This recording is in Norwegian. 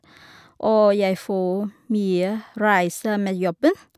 Og jeg får mye reiser med jobben.